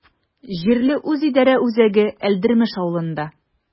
Җирле үзидарә үзәге Әлдермеш авылында.